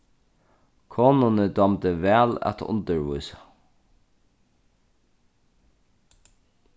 konuni dámdi væl at undirvísa